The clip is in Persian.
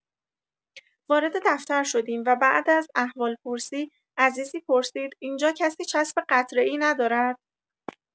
وارد دفتر شدیم و بعد از احوال‌پرسی عزیزی پرسید: اینجا کسی چسب قطره‌ای ندارد؟!